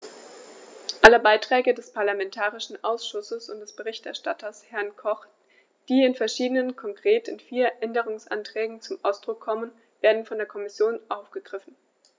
Alle Beiträge des parlamentarischen Ausschusses und des Berichterstatters, Herrn Koch, die in verschiedenen, konkret in vier, Änderungsanträgen zum Ausdruck kommen, werden von der Kommission aufgegriffen.